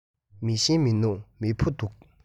མེ ཤིང མི འདུག མེ ཕུ འདུག